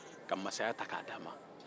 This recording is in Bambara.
ka masaya ta k'a di a ma